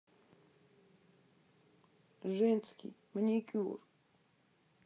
женский маникюр